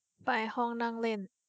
ไปห้องนั่งเล่น